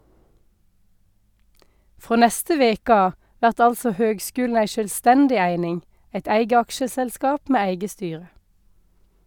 Frå neste veke av vert altså høgskulen ei sjølvstendig eining, eit eige aksjeselskap med eige styre.